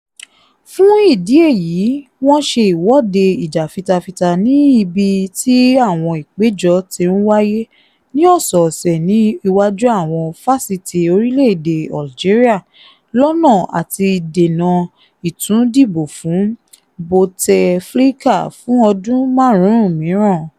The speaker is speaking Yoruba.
Fún ìdí èyí wọ́n ṣe ìwọ́de ìjàfitafita ní ibi tí àwọn ìpẹ̀jọ́ tí ń wáyé ní ọ̀sọ̀ọ̀sẹ̀ ní iwájú àwọn fáṣítì orílẹ̀ èdè Algeria lọ́nà àti dènà ìtúndìbòfún Bouteflika fún ọdún márùn-ún míràn.